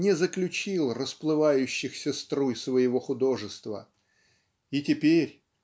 не заключил расплывающихся струй своего художества. И теперь